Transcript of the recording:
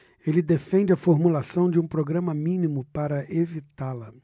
ele defende a formulação de um programa mínimo para evitá-la